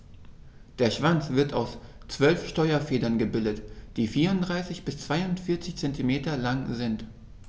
Der Schwanz wird aus 12 Steuerfedern gebildet, die 34 bis 42 cm lang sind.